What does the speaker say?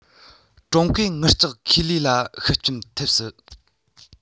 ཀྲུང གོའི ངར ལྕགས ཁེ ལས ལ ཤུགས རྐྱེན ཐེབས སྲིད